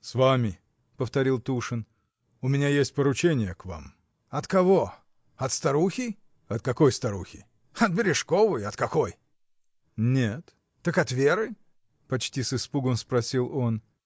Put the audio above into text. — С вами, — повторил Тушин, — у меня есть поручение к вам. — От кого? От старухи? — От какой старухи? — От Бережковой! От какой! — Нет. — Так от Веры? — почти с испугом спросил он.